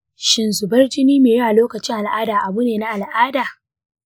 shin zubar jini mai yawa lokacin al'ada abu ne na al'ada ?